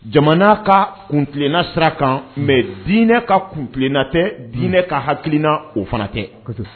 Jamana ka kuntilenna sira kan mais diinɛ ka kuntilenna tɛ diinɛ ka hakilina o fana tɛ